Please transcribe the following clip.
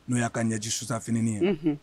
N' y'a ka ɲɛ ji susanfiniinin ye